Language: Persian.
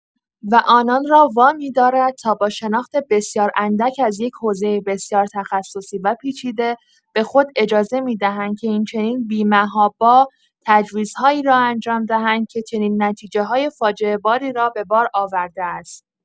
و آنان را وامی‌دارد تا با شناخت بسیار اندک از یک حوزۀ بسیار تخصصی و پیچیده، به خود اجاز می‌دهند که این‌چنین بی‌محابا تجویزهایی را انجام دهند که چنین نتیجه‌های فاجعه‌باری را به بار آورده است.